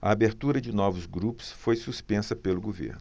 a abertura de novos grupos foi suspensa pelo governo